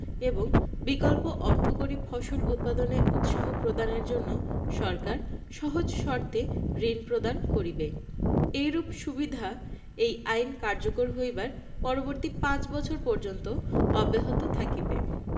এবং বিকল্প অর্থকরী ফসল উৎপাদনে উৎসাহ প্রদানের জন্য সরকার সহজ শর্তে ঋণ প্রদান করিবে এইরূপ সুবিধা এই আইন কার্যকর হইবার পরবর্তী পাঁচ ৫ বৎসর পর্যন্ত অব্যাহত থাকিবে